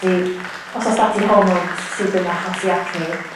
ti os o's 'da ti hormones sydd yn achosi acne,